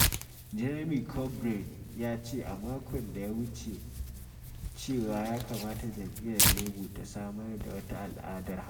Jeremy Corbyn ya ce a mako da ya wuce cewa ya kamata jam’iyyar Labour ta samar da wata al’adar haƙuri.